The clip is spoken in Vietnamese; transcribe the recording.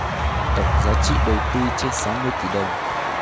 tổng giá trị đầu tư trên sáu mươi tỷ đồng